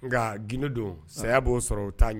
Nka gindo don, saya b'o sɔrɔ u taa ɲɛ